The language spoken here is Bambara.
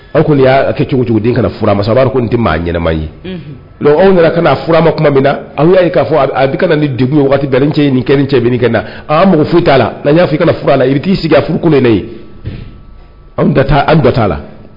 Aw kɔni y'a kɛ cogo cogoden ka na furu ma sabari n tɛ maa ɲɛnaɛnɛma ye anw nana ka fura ma tuma min na an y'a ye k'a fɔ a bɛ nin dugu waati bɛɛ ni cɛ ni kɛ ni cɛ kɛ na'a la n'an y'a' i ka furu la i t'i sigi ka furu ne ye an taa an jɔ t'a la